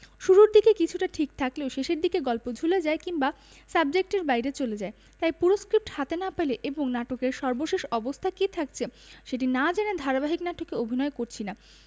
শুরুর দিকে কিছুটা ঠিক থাকলেও শেষের দিকে গল্প ঝুলে যায় কিংবা সাবজেক্টের বাইরে চলে যায় তাই পুরো স্ক্রিপ্ট হাতে না পেলে এবং নাটকের সর্বশেষ অবস্থা কী থাকছে সেটি না জেনে ধারাবাহিক নাটকে অভিনয় করছি না